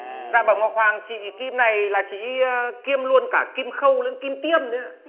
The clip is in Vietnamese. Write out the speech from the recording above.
dạ bẩm ngọc hoàng chị kim này là chị ý kiêm luôn cả kim khâu lẫn kim tiêm đấy ạ